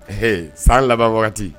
Ee san laban wagati